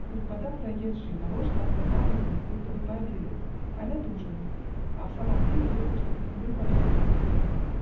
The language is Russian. Господа проезжие нарочно останавливались, будто бы пообедать, аль отужинать, а в самом деле только чтоб на нее подолее поглядеть.